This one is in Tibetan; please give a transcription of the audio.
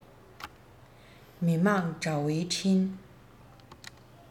མི དམངས དྲ བའི འཕྲིན